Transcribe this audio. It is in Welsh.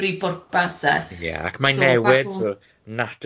brif bwrpas e. Ie, ac mae'n newid y natur yr